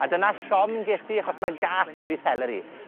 A dyna siom ges i achos ma' gas 'dy fi seleri.